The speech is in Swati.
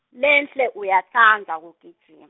Lenhle uyatsandza kugijim-.